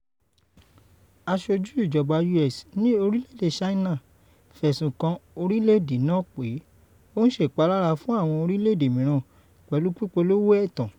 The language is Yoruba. Aṣojú ìjọba US ní orílẹ̀èdè China fẹ̀sùn kan orílẹ̀èdè náà pé ó ń ṣe ìpalára fún àwọn orílẹ̀èdè mìíràn pẹ̀lú pípolówó ẹ̀tàn.